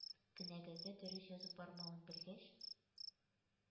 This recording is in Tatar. Кенәгәгә дөрес язып бармавын белгәч,